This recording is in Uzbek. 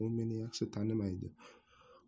u meni yaxshi tanimaydi